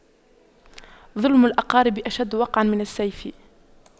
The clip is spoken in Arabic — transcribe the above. ظلم الأقارب أشد وقعا من السيف